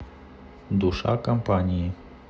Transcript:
душа компании